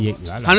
yeg wala